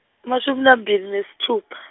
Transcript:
emashumi lamabili nesitfupha.